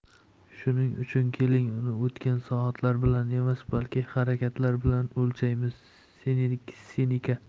shuning uchun keling uni o'tgan soatlar bilan emas balki harakatlar bilan o'lchaymiz seneka